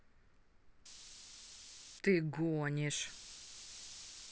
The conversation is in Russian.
ты гонишь